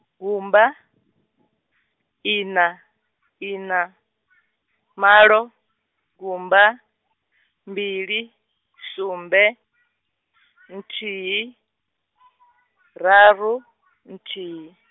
gumba, ina , ina, malo, gumba, mbili, sumbe, nthihi, raru, nthihi.